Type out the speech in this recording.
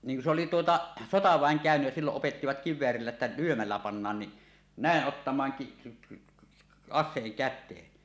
niin kun se oli tuota sotaväen käynyt ja silloin opettivat kiväärillä että lyömällä pannaan niin näin ottamaan -- aseen käteen